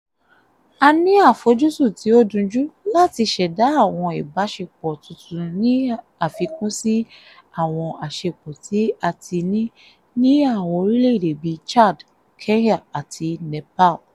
A ní àfojúsùn tí ó dunjún láti ṣẹ̀dá àwọn ìbáṣepọ̀ tuntun ní àfikún sí àwọn àṣepọ̀ tí a ti ní ní àwọn orílẹ̀-èdè bíi Chad, Kenya àti Nepal.